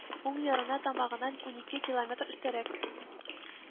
Уң ярына тамагыннан унике километр өстәрәк